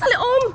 lại ôm